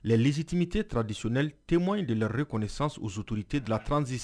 lizsitimete ta desɛli tema in de laɛrɛre kɔni san0sturtee laransisi